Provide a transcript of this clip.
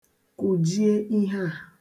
Kụjie ihe a.